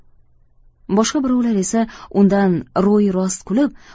boshqa birovlar esa undan ro'yirost kulib